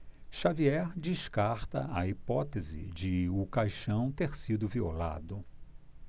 xavier descarta a hipótese de o caixão ter sido violado